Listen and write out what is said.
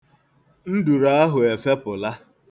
Nduru ahụ efepụla.